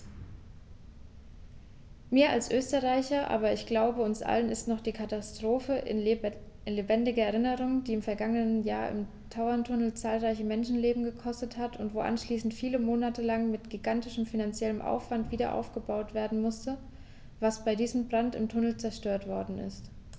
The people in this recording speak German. Mir als Österreicher, aber ich glaube, uns allen ist noch die Katastrophe in lebendiger Erinnerung, die im vergangenen Jahr im Tauerntunnel zahlreiche Menschenleben gekostet hat und wo anschließend viele Monate lang mit gigantischem finanziellem Aufwand wiederaufgebaut werden musste, was bei diesem Brand im Tunnel zerstört worden ist.